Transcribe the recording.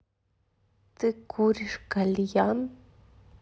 ты куришь кальян